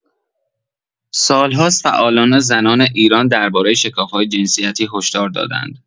سال‌هاست فعالان زنان ایران درباره شکاف‌های جنسیتی هشدار داده‌اند.